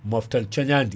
moftal coñadi